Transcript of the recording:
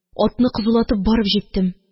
Атны кызулатып барып җиттем.